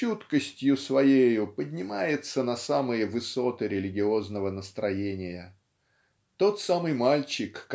чуткостью своею поднимается на самые высоты религиозного настроения. Тот самый мальчик